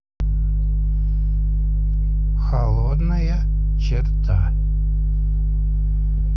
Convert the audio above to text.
холодная черта